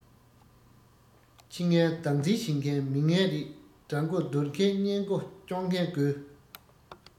ཁྱི ངན བདག འཛིན བྱེད མཁན མི ངན རེད དགྲ མགོ འདུལ མཁན གཉེན མགོ སྐྱོང མཁན དགོས